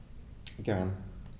Gern.